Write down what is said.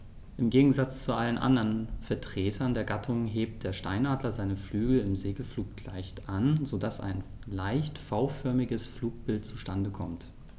Im Gegensatz zu allen anderen Vertretern der Gattung hebt der Steinadler seine Flügel im Segelflug leicht an, so dass ein leicht V-förmiges Flugbild zustande kommt.